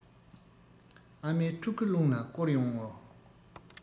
ཨ མས ཕྲུ གུ རླུང ལ བསྐུར ཡོང ངོ